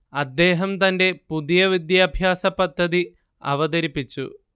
അദ്ദേഹം തന്റെ പുതിയ വിദ്യാഭ്യാസപദ്ധതി അവതരിപ്പിച്ചു